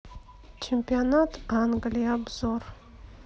чемпионат англии обзор